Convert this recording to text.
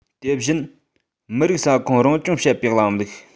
དེ བཞིན མི རིགས ས ཁོངས རང སྐྱོང བྱེད པའི ལམ ལུགས